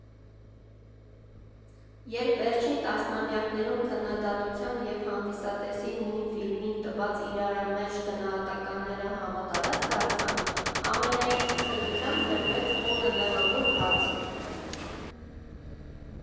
Երբ վերջին տասնամյակներում քննադատության և հանդիսատեսի նույն ֆիլմին տված իրարամերժ գնահատականները համատարած դարձան, ամենայն սրությամբ դրվեց «ո՞վ է մեղավոր» հարցը։